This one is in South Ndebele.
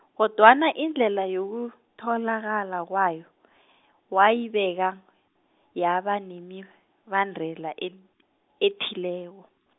kodwana indlela yokutholakala kwayo, wayibeka, yaba nemibandela, eth-, ethileko.